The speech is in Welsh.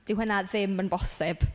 Dyw hynna ddim yn bosib.